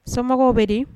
Somɔgɔw bɛ di